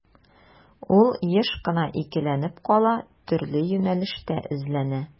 Ул еш кына икеләнеп кала, төрле юнәлештә эзләнә.